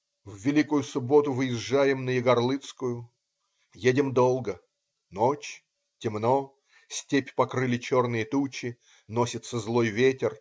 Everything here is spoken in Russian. В великую субботу выезжаем на Егорлыцкую. Едем долго. Ночь. Темно. Степь покрыли черные тучи. Носится злой ветер.